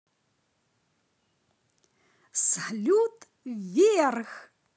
салют вверх